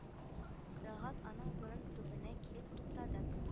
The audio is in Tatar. Тәлгат аның борын төбенә килеп туктады